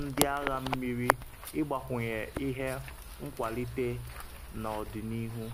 ndị Agha Mmiri ịgbakwunye ihe nkwalite n’ọdịnihu.